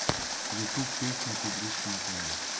youtube песня ты гришка на коне